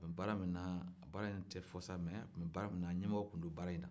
a tun bɛ baara minna o tɛ fɔ sa mɛ ɲɛmɔgɔ tun don baara in na